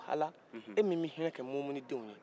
ala e min bɛ hinɛ kɛ mumunin denw ye